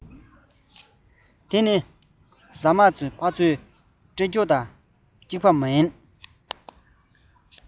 དེ ནི གཡོས སྦྱོར མ བྱས པའི ཁ ཟས ཀྱི རྒྱུ ཆ དང ཡང མཚུངས པ ཡིན